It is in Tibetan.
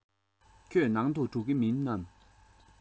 ཁྱོད ནང དུ འགྲོ གི མིན ནམ